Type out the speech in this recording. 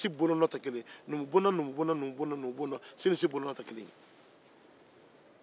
numubonda-numubonda mɛ u si bolonɔ tɛ kelen ye